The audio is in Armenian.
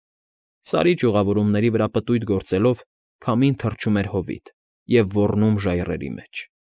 Սարի ճյուղավորումների վրա պտույտ գործելով՝ քամին թռչում էր հովիտ և ոռնում ժայռերի մեջ։